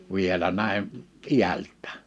vielä näin iältään